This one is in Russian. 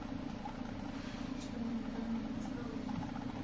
что необитаемые мостовые